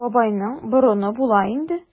Бабайның борыны була инде.